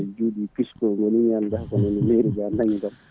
juuɗe Pisco gooni mi anda ko *